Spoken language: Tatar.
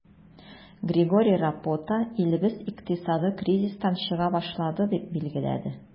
Григорий Рапота, илебез икътисады кризистан чыга башлады, дип билгеләде.